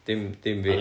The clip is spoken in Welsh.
dim dim fi...